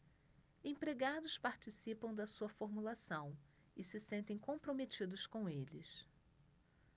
empregados participam da sua formulação e se sentem comprometidos com eles